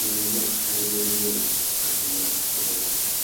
Rwy'n ddiolchgar i fod yn fyw ac yn iach heddiw.